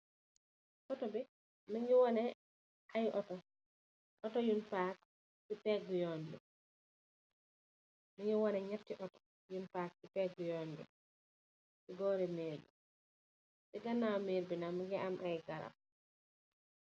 Auto bi mungi waneh. Aye auto, auto yoon pack si peegi yon bi. Mungi waneh nyenti auto yun pack si pegi yoon bi, si bori mirr bi. Si ganaw mirr bi, nk mu ngi am aye garab.